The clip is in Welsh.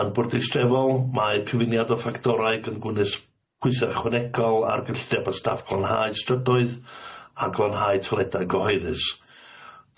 Yn bwrdeistrefol mae cyfuniad o ffactorau gyn-gwnes pwysa' ychwanegol ar gyllideb y staff glanhau strydoedd a glanhau toiledau cyhoeddus,